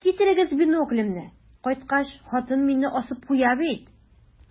Китерегез биноклемне, кайткач, хатын мине асып куя бит.